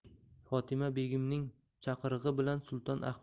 fotima begimning chaqirig'i bilan sulton